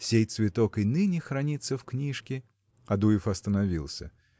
Сей цветок и ныне хранится в книжке. Адуев остановился.